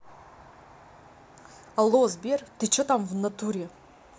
алло сбер ты че там в натуре